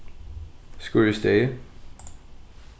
skírisdegi